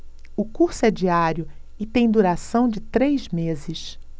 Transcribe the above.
o curso é diário e tem duração de três meses